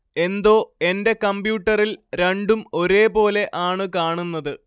എന്തോ എന്റെ കമ്പ്യൂട്ടറിൽ രണ്ടും ഒരേ പോലെ ആണ് കാണുന്നത്